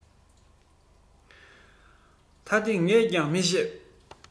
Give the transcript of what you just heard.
ད དེ ངས ཀྱང མི ཤེས